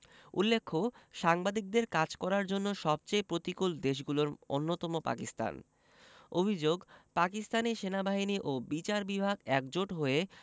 উল্লেখ্য সাংবাদিকদের কাজ করার জন্য সবচেয়ে প্রতিকূল দেশগুলোর অন্যতম পাকিস্তান অভিযোগ পাকিস্তানি সেনাবাহিনী ও বিচার বিভাগ একজোট হয়ে